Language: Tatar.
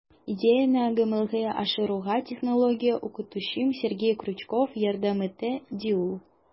Идеяне гамәлгә ашыруга технология укытучым Сергей Крючков ярдәм итте, - ди ул.